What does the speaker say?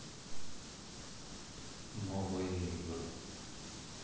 новые игры